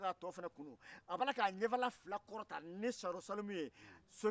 e kɔrɔkɛ ladon baga ani ka e fa ani e ba ladon kaɲɛ